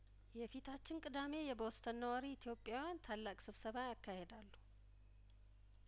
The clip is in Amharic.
የፊታችን ቅዳሜ የቦስተን ነዋሪ ኢትዮጵያውያን ታላቅ ስብሰባ ያካሄዳሉ